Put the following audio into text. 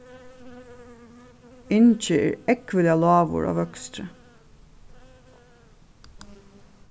ingi er ógvuliga lágur á vøkstri